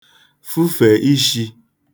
fufè ishī